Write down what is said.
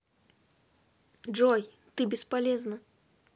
джой ты бесполезна